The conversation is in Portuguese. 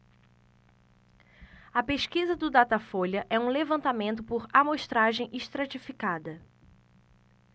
a pesquisa do datafolha é um levantamento por amostragem estratificada